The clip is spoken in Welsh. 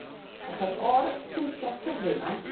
achos o'r pwyntia' tyfu 'ma